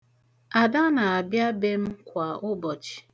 Ada na-abịa be m kwa ụbọchị.